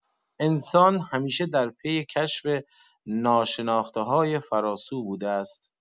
انسان همیشه در پی کشف ناشناخته‌های فراسو بوده است.